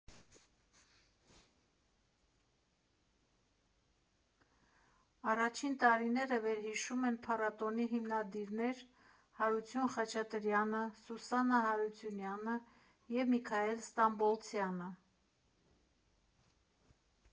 Առաջին տարիները վերհիշում են փառատոնի հիմնադիրներ Հարություն Խաչատրյանը, Սուսաննա Հարությունյանը և Միքայել Ստամբոլցյանը։